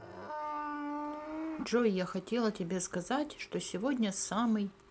джой я хотела тебе сказать что сегодня самый